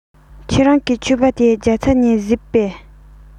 ཁྱེད རང གི ཕྱུ པ དེ རྒྱ ཚ ནས གཟིགས པས